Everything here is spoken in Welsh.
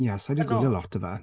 Ie, sai 'di gwylio lot o fe.